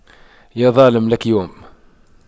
يا ظالم لك يوم